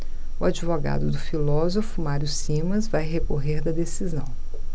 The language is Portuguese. o advogado do filósofo mário simas vai recorrer da decisão